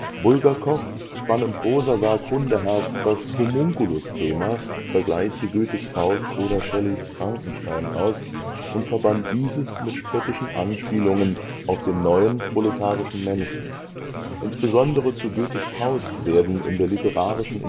Bulgakow spann im Prosawerk Hundeherz das Homunculus-Thema (vgl. Goethes Faust oder Shelleys Frankenstein) aus und verband dieses mit spöttischen Anspielungen auf den „ neuen proletarischen Menschen “. Insbesondere zu Goethes Faust werden in der literarischen Interpretation